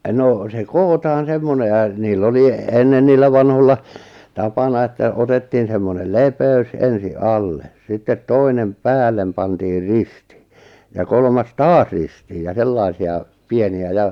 no se kootaan semmoinen ja niillä oli ennen niillä vanhoilla tapana että otettiin semmoinen lepeys ensin alle sitten toinen päälle pantiin risti ja kolmas taas ristiin ja sellaisia pieniä ja